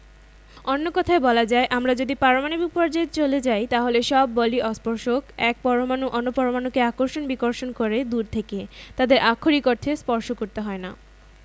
অন্য কথায় বলা যায় আমরা যদি পারমাণবিক পর্যায়ে চলে যাই তাহলে সব বলই অস্পর্শক এক পরমাণু অন্য পরমাণুকে আকর্ষণ বিকর্ষণ করে দূর থেকে তাদেরকে আক্ষরিক অর্থে স্পর্শ করতে হয় না